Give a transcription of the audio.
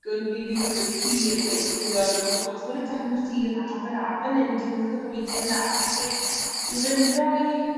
o'n fi fi'n cofio t'cu yn gweud straeon a gweud o t'mod y darn o tir 'na draw fan 'na fan 'yn digwyddodd y brwydyr 'na, fi'n credu ma' fe'n roi